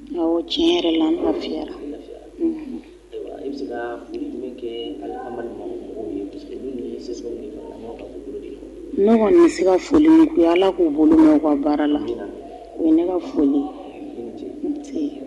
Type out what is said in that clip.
Tiɲɛ la ne kɔni se ka foli ala k'o bolo ka baara la o ye ne ka foli